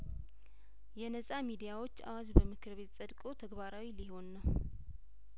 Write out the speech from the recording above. የነጻ ሚዲያዎች አዋጅ በምክር ቤት ጸድቆ ተግባራዊ ሊሆን ነው